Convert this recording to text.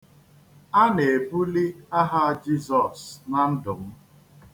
A na-ebuli aha Jizọs na ndụ m.